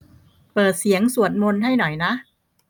เปิดเสียงสวดมนต์ให้หน่อยนะ